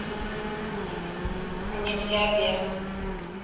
нельзя без